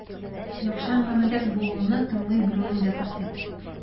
Яхшы әңгәмәдәш булуыңны, тыңлый белүеңне дә күрсәт.